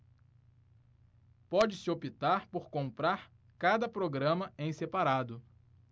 pode-se optar por comprar cada programa em separado